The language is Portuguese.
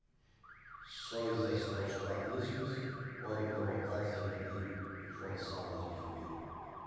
só exercitar o quadríceps pode provocar desequilíbrio e forçar mais o joelho